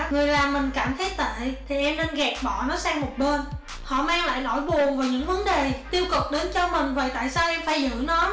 người làm mình cảm thấy tệ thì em nên gạt bỏ nó sang một bên họ mang lại nỗi buồn và những vấn đề tiêu cực đến cho mình vậy tại sao em phải giữ nó